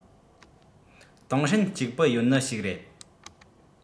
ཏུང ཧྲན གཅིག པུ ཡོད ནི ཞིག རེད